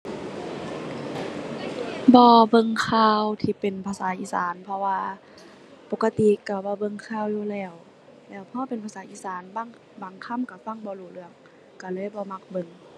บ่เบิ่งข่าวที่เป็นภาษาอีสาน เพราะว่าปกติก็บ่เบิ่งข่าวอยู่แล้ว แล้วพอเป็นภาษาอีสานบ่าง บางคำก็ฟังบ่รู้เรื่องก็เลยบ่มักเบิ่ง